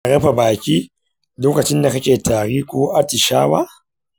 kana rufe baki lokacin da kake tari ko atishawa?